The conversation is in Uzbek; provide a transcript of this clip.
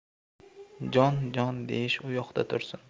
jon jon deyish u yoqda tursin